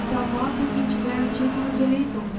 só vota quem tiver o título de eleitor